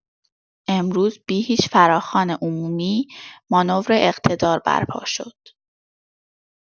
امروز بی‌هیچ فراخوان عمومی، مانور اقتدار برپا شد.